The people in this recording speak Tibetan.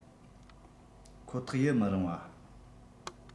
ཁོ ཐག ཡི མི རང བ